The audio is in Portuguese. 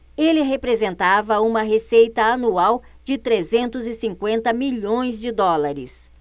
ele representava uma receita anual de trezentos e cinquenta milhões de dólares